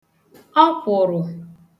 ọkwụ̀rụ̀